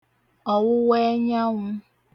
ọ̀wụwaẹnyanwụ̄